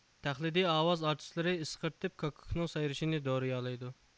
تەقلىدىي ئاۋاز ئارتىسلىرى ئىسقىرتىپ كاككۇكنىڭ سايرىشىنى دورىيالايدۇ